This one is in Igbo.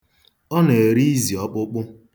Ọ na-ere izi ọkpụkpụ.